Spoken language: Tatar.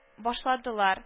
Башладылар